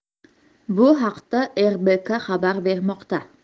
bu haqda rbk xabar bermoqda